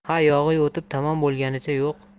ha yog'iy o'tib tamom bo'lganicha yo'q